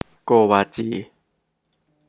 โกวาจี